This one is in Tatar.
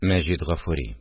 Мәҗит Гафури